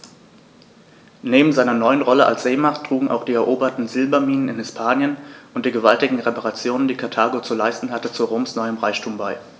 Neben seiner neuen Rolle als Seemacht trugen auch die eroberten Silberminen in Hispanien und die gewaltigen Reparationen, die Karthago zu leisten hatte, zu Roms neuem Reichtum bei.